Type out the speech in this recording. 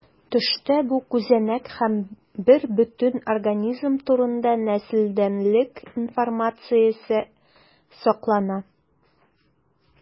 Төштә бу күзәнәк һәм бербөтен организм турында нәселдәнлек информациясе саклана.